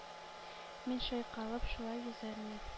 Мин чайкалып шулай йөзәрмен.